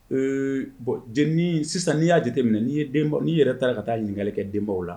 Eee bɔn j sisan n'i y'a jate minɛ n'i ye n'i yɛrɛ taara ka taa ɲininka kɛ denbaw la